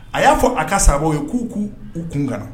A y'a fɔ a ka sababu ye k'u kun uu kunkan